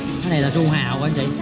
cái này là su hào